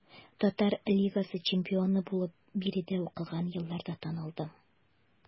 Татар лигасы чемпионы булып биредә укыган елларда танылдым.